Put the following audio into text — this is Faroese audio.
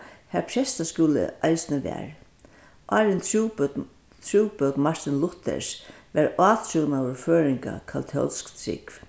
har prestaskúli eisini var áðrenn trúbót trúbót martin luthers var átrúnaður føroyinga katólsk trúgv